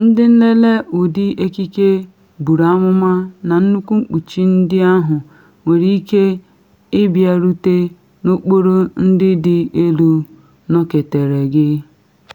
Ndị nlele ụdị ekike buru amụma na nnukwu mkpuchi ndị ahụ nwere ike ịbịarute n’okporo ndị dị elu nọketere gi.